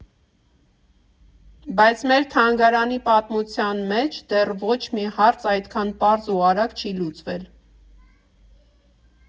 Բայց մեր թանգարանի պատմության մեջ դեռ ոչ մի հարց այդքան պարզ ու արագ չի լուծվել։